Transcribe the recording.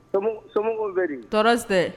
So bɛri tɔɔrɔ tɛ